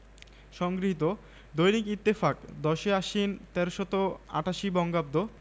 M A L L B M B H I Kolkata ৭৩৭ দক্ষিন শাহজাহানপুর আমতলা ডাকা phone ৪০০০৮৭১